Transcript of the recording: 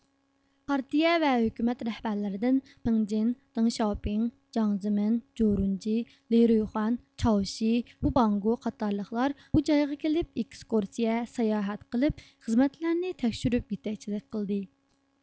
پارتىيە ۋە ھۆكۈمەت رەھبەرلىرىدىن پىڭجىن دېڭشياۋپېڭ جياڭ زېمىن جورۇڭجى لى رۇيخۇەن چياۋشى ۋوباڭگو قاتارلىقلار بۇ جايغا كېلىپ ئېكىسكۇرسىيە ساياھەت قىلىپ خىزمەتلەرنى تەكشۈرۈپ يېتەكچىلىك قىلدى